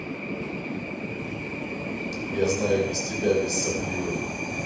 я знаю без тебя без сопливых